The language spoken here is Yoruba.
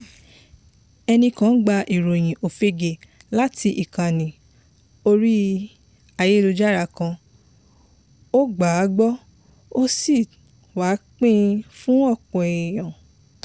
Ẹnìkan gba ìròyìn òfegè láti ìkànnì orí ayélujára kan, ó gbà á gbọ́ tí ó sì wá pín in fún ọ̀pọ̀ èèyàn.